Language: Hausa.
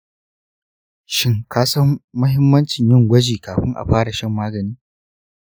shin ka san mahimmancin yin gwaji kafin a fara shan magani?